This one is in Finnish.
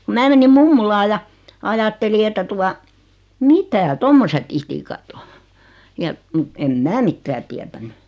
kun minä menin mummolaan ja ajattelin että tuota mitä tuommoiset itikat on ja mutta en minä mitään tiennyt